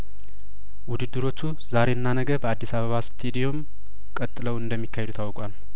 ውድድሮቹ ዛሬና ነገ በአዲስ አበባ ስቴዲዮም ቀጥለው እንደሚካሄዱ ታውቋል